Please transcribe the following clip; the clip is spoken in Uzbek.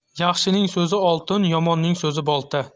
yaxshining so'zi oltin yomonning so'zi bolta